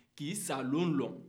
k'i sadɔn dɔn